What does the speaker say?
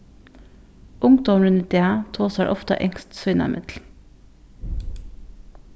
ungdómurin í dag tosar ofta enskt sínámillum